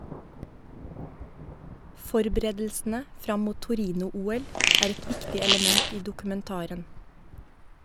Forberedelsene fram mot Torino-OL er et viktig element i dokumentaren.